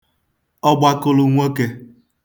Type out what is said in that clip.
ọgbakụlụnwokē